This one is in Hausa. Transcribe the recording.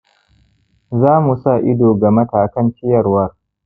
za mu sa-ido ga matakan ciyarwar